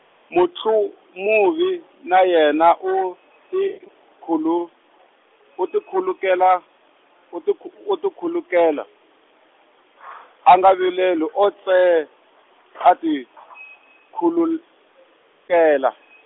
Mutlumuvi na yena u ti khulu- , u ti khulukela, u ti khu-, u ti khulukela , a nga vileli o ntse, a ti , khulul- kela .